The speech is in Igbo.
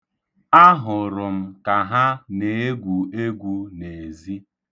Ahụrụ m ka ha na-egwu egwu n'ezi.